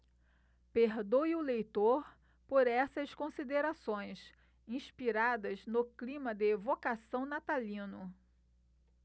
perdoe o leitor por essas considerações inspiradas no clima de evocação natalino